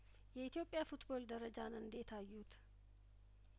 የኢትዮጵያ ፉትቦል ደረጃን እንዴት አዩት